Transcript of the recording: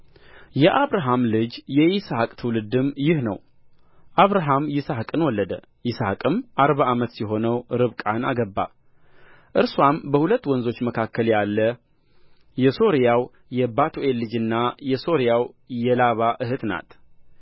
የአብርሃም ልጅ የይስሐቅ ትውልድም ይህ ነው አብርሃም ይስሐቅን ወለደ ይስሐቅም አርባ ዓመት ሲሆነው ርብቃን አገባ እርስዋም በሁለት ወንዞች መካከል ያለ የሶርያዊው የባቱኤል ልጅና የሶርያዊው የላባ እኅት ናት